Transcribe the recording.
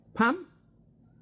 Pam?